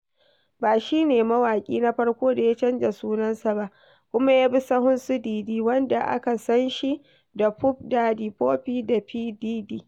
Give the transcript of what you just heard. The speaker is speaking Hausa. Ba shi ne mawaƙi na farko da ya canza sunansa ba kuma ya bi sahun su Diddy, wanda aka san shi da Puff Daddy, Puffy da P Diddy.